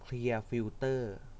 เคลียร์ฟิลเตอร์